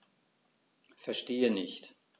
Verstehe nicht.